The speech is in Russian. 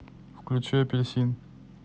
включи апельсин